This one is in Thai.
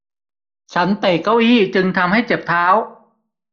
ฉันเตะเก้าอี้จึงทำให้เจ็บเท้า